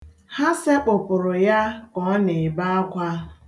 Ha sekpụpụrụ ya ka ọ na-ebe akwa.